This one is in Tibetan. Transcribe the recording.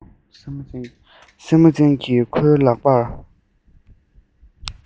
སེན མོ ཅན གྱི ཁོའི ལག པ